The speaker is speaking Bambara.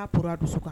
A poron a dusu kan.